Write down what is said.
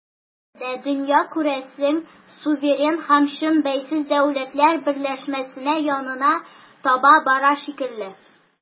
Һәрхәлдә, дөнья, күрәсең, суверен һәм чын бәйсез дәүләтләр берләшмәсенә янына таба бара шикелле.